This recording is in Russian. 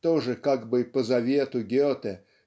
тоже как бы по завету Гете